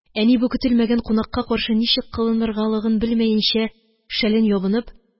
Әни, бу көтелмәгән кунакка каршы ничек кылыныргалыгын белмәенчә, шәлен ябынып: